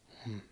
hm